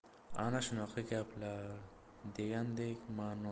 ana shunaqa gaplar degandek